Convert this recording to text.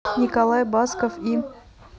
николай басков и